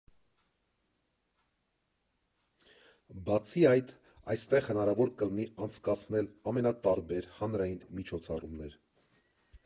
Բացի այդ, այստեղ հնարավոր կլինի անցկացնել ամենատարբեր հանրային միջոցառումներ։